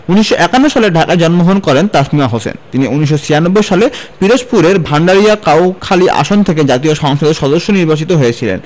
১৯৫১ সালে ঢাকায় জন্মগ্রহণ করেন তাসমিমা হোসেন তিনি ১৯৯৬ সালে পিরোজপুরের ভাণ্ডারিয়া কাউখালী আসন থেকে জাতীয় সংসদের সদস্য নির্বাচিত হয়েছিলেন